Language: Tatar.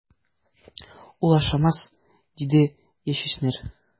Ул ашамас, - диде яшүсмер.